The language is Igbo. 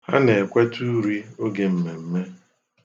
Ha na ekwete uri oge mmemme.